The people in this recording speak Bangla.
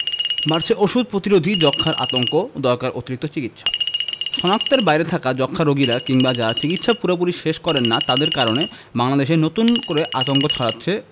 বাড়ছে ওষুধ প্রতিরোধী যক্ষ্মার আতঙ্ক দরকার অতিরিক্ত চিকিৎসা শনাক্তের বাইরে থাকা যক্ষ্মা রোগীরা কিংবা যারা চিকিৎসা পুরোপুরি শেষ করেন না তাদের কারণে বাংলাদেশে নতুন করে আতঙ্ক ছড়াচ্ছে